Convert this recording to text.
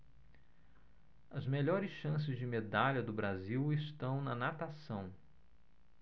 as melhores chances de medalha do brasil estão na natação